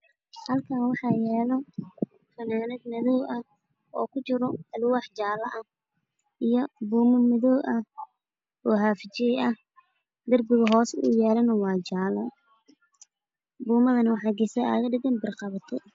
Waxaa yaalo fanaanad madow buumo xaaf j madow ku dhegan darbi yaa la ah hoosna waa midow